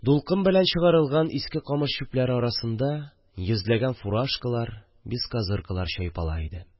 Дулкын белән чыгарылган иске камыш чүпләре арасында йөзләгән фуражкалар, безкозыркалар чайпала иде